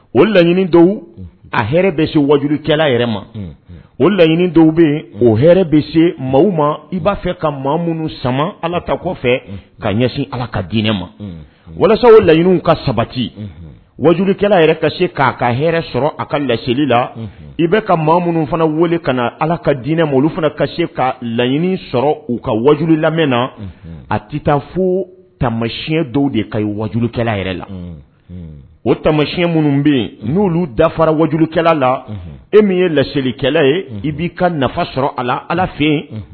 O laɲini dɔw a bɛ se wajukɛla yɛrɛ ma o laɲiniini dɔw bɛ yen o bɛ se maa ma i b'a fɛ ka maa minnu sama ala ta kɔfɛ ka ɲɛsin ala ka diinɛ ma walasa o laɲini ka sabati wajukɛla yɛrɛ ka se k' a ka hɛrɛ sɔrɔ a ka laselili la i bɛ ka maa minnu fana wele ka ala ka diinɛ olu fana ka ka laɲini sɔrɔ u ka wajju lamɛn na a tɛ taa fo tama siyɛn dɔw de ka wajukɛla yɛrɛ la o tama siyɛn minnu bɛ yen n'olu dafara wajukɛla la e min ye laselilikɛla ye i b'i ka nafa sɔrɔ a ala fɛ yen